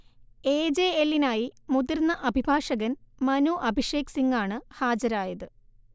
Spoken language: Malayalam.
എ ജെ എല്ലിനായി മുതിർന്ന അഭിഭാഷകൻ മനു അഭിഷേക് സിങ്ങാണ് ഹാജരായത്